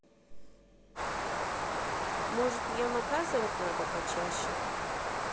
может ее наказывать надо почаще